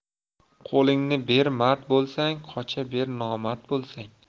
qo'lingni ber mard bo'lsang qocha ber nomard bo'lsang